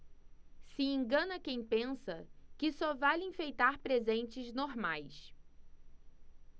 se engana quem pensa que só vale enfeitar presentes normais